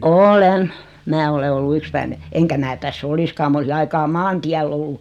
olen minä olen ollut yksipäinen enkä minä tässä olisikaan minä olisin aikaa maantiellä ollut